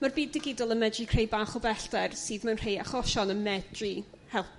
Ma''r byd digidol yn medru creu bach o bellter sydd mewn rhei achosion yn medru helpu.